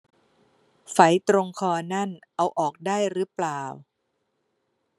ไฝตรงคอนั่นเอาออกได้รึเปล่า